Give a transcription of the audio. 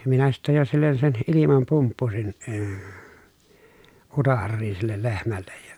minä sitten jo sille sen ilman pumppusin - utareisiin sille lehmälle ja